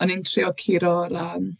O'n i'n trio curo'r, yym...